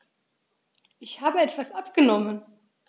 Ich habe etwas abgenommen.